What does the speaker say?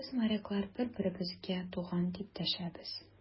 Без, моряклар, бер-беребезгә туган, дип дәшәбез.